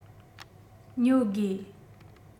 ཉོ དགོས